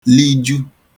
liju